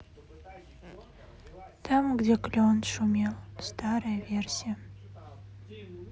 там где клен шумел старая версия